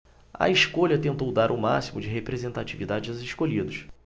a escolha tentou dar o máximo de representatividade aos escolhidos